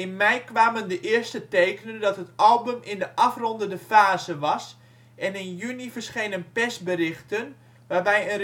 mei kwamen de eerste tekenen dat het album in de afrondende fase was en in juni verschenen persberichten waarbij